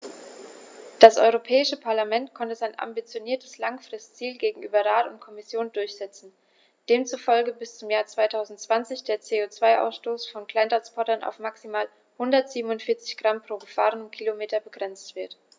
Das Europäische Parlament konnte sein ambitioniertes Langfristziel gegenüber Rat und Kommission durchsetzen, demzufolge bis zum Jahr 2020 der CO2-Ausstoß von Kleinsttransportern auf maximal 147 Gramm pro gefahrenem Kilometer begrenzt wird.